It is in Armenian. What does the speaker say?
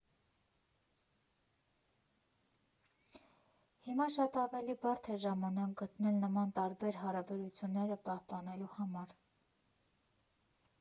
Հիմա շատ ավելի բարդ է ժամանակ գտնել նման տարբեր հարաբերությունները պահպանելու համար։